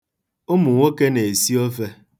Ụmụ nwoke na-esi ofe.